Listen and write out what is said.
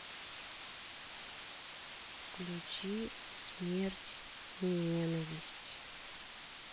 включи смерть и ненависть